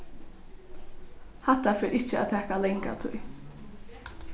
hatta fer ikki at taka langa tíð